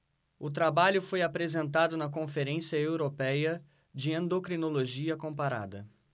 o trabalho foi apresentado na conferência européia de endocrinologia comparada